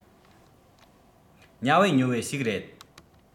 ཉབ བེ ཉོབ བེ ཞིག རེད